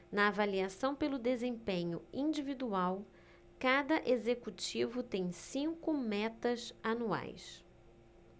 na avaliação pelo desempenho individual cada executivo tem cinco metas anuais